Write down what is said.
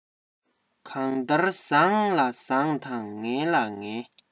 གང ལྟར བཟང ལ བཟང དང ངན ལ ངན